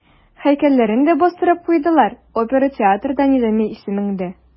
Һәйкәлләрен дә бастырып куйдылар, опера театры да Низами исемендә.